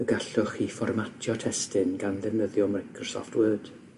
y gallwch chi fformatio testun gan ddefnyddio Microsoft Word